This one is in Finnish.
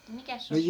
niin mikäs se oli